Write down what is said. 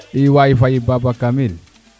iyo Faye Baba Kamil